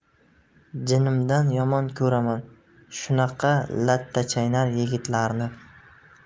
jinimdan yomon ko'raman shunaqa lattachaynar yigitlarni